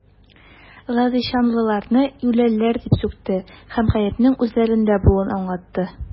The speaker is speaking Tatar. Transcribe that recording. Лозищанлыларны юләрләр дип сүкте һәм гаепнең үзләрендә булуын аңлатты.